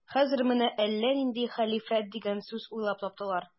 Хәзер менә әллә нинди хәлифәт дигән сүз уйлап таптылар.